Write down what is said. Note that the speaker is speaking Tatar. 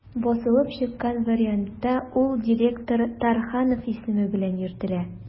Басылып чыккан вариантта ул «директор Тарханов» исеме белән йөртелә.